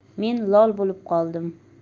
men lol bo'lib qoldim